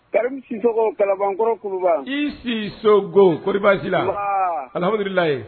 Karimu Sisoko kalanbankɔrɔ kuluba i Sisogo kɔri basi t'ila, an ba, alihamililayi